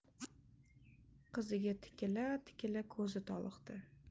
qiziga tikila tikila ko'zi toliqdi